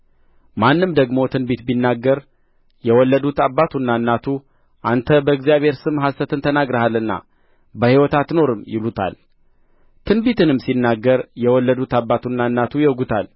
ማንም ደግሞ ትንቢት ቢናገር የወለዱት አባቱና እናቱ አንተ በእግዚአብሔር ስም ሐሰትን ተናግረሃልና በሕይወት አትኖርም ይሉታል ትንቢትንም ሲናገር የወለዱት አባቱና እናቱ ይወጉታል